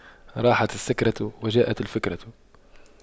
راحت السكرة وجاءت الفكرة